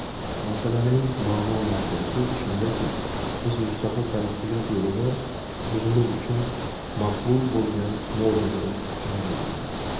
masalaning ma'no mohiyati shundaki biz mustaqil taraqqiyot yo'lida o'zimiz uchun maqbul bo'lgan modelni joriy etdik